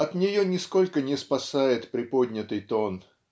От нее нисколько не спасает приподнятый тон